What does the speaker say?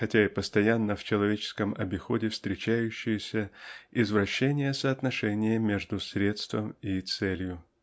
хотя и постоянно в человеческом обиходе встречающееся извращение соотношения между средством и целью.